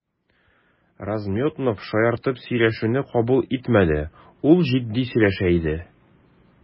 Размётнов шаяртып сөйләшүне кабул итмәде, ул җитди сөйләшә иде.